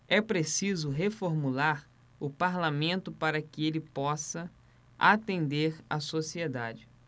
é preciso reformular o parlamento para que ele possa atender a sociedade